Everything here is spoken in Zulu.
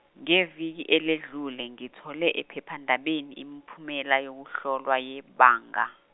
ngeviki eledlule ngithole ephephandabeni imiphumela yokuhlolwa yebanga.